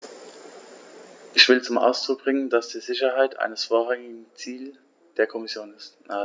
Ich will zum Ausdruck bringen, dass die Sicherheit ein vorrangiges Ziel der Kommission ist.